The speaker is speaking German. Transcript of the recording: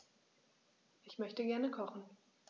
Ich möchte gerne kochen.